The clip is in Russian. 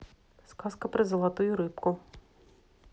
сказка про золотую рыбку